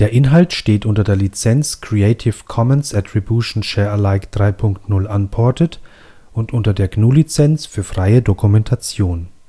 Inhalt steht unter der Lizenz Creative Commons Attribution Share Alike 3 Punkt 0 Unported und unter der GNU Lizenz für freie Dokumentation